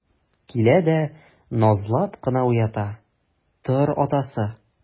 Килә дә назлап кына уята: - Тор, атасы!